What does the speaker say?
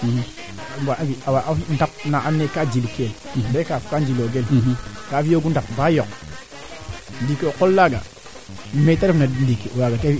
mais kaaga rend anga o ɓay ande maak ref koogu ref kooge in xana soox to ut kiran ndaa areer ne fiyoona bo yaakar ne a jola o utin faax kate